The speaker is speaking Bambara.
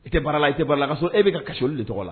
I tɛ bara la i tɛ la so e bɛ ka so nin tɔgɔ la